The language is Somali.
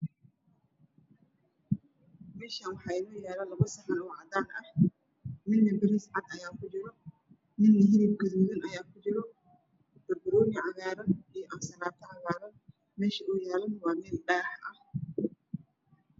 Meeshan waxaa inoo yaalo labo saxan oo cadan ah midne bariis cad ayaa kujiro midne hilp gudoodan ayaa kujiro ban banooni cagaaran ayaa kujiro iyo ansalaato cagaaran